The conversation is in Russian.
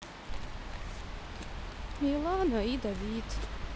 милана и давид